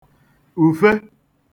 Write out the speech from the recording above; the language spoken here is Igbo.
ùfe